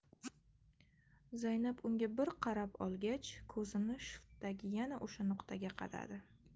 zaynab unga bir qarab olgach ko'zini shiftdagi yana o'sha nuqtaga qadadi